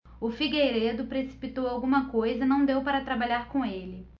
o figueiredo precipitou alguma coisa e não deu para trabalhar com ele